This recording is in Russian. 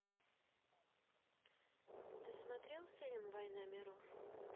ты смотрел фильм война миров